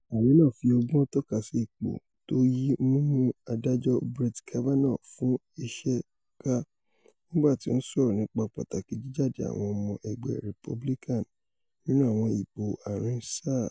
Ààrẹ náà fi ọgbọ́n tọ́kasí ipò tóyí mímú Adájọ́ Brett Kavanaugh fún iṣẹ̀ ká nígbà tí ó ńsọ̀rọ̀ nípa pàtàkì jíjáde àwọn ọmọ ẹgbẹ́ Republican nínú àwọn ìbò ààrin sáà.